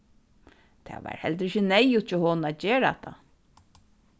tað var heldur ikki neyðugt hjá honum at gera hatta